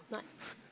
nei.